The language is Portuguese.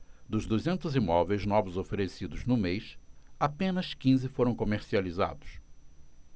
dos duzentos imóveis novos oferecidos no mês apenas quinze foram comercializados